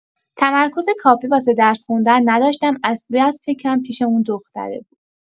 تمرکز کافی واسه درس خوندن نداشتم از بس فکرم پیش اون دختره بود.